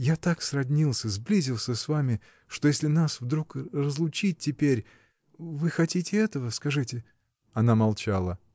Я так сроднился, сблизился с вами, что если нас вдруг разлучить теперь. Вы хотите этого, скажите? Она молчала.